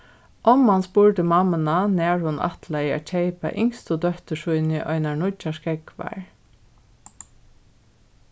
omman spurdi mammuna nær hon ætlaði at keypa yngstu dóttur síni einar nýggjar skógvar